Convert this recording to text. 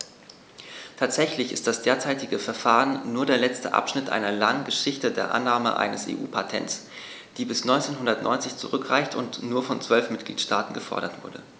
Tatsächlich ist das derzeitige Verfahren nur der letzte Abschnitt einer langen Geschichte der Annahme eines EU-Patents, die bis 1990 zurückreicht und nur von zwölf Mitgliedstaaten gefordert wurde.